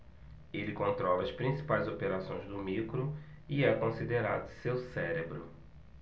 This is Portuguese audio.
ele controla as principais operações do micro e é considerado seu cérebro